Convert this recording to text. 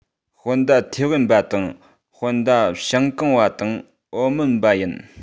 སྤུན ཟླ ཐའེ ཝན པ དང སྤུན ཟླ ཞང ཀང པ དང ཨའོ མོན པ ཡིན